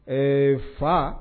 Ee, fa